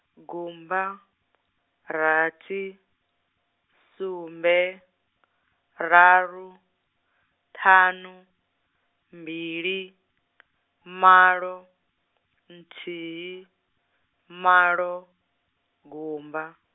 gumba, rathi, sumbe, raru, ṱhanu, mbili, malo, nthihi, malo, gumba.